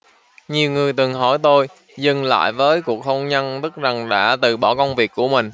nhiều người từng hỏi tôi dừng lại với cuộc hôn nhân tức rằng đã từ bỏ công việc của mình